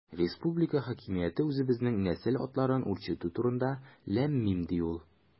Республика хакимияте үзебезнең нәсел атларын үрчетү турында– ләм-мим, ди ул.